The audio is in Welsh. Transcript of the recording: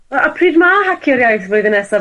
A a pryd ma' Hacio'r Iaith flwyddyn nesa,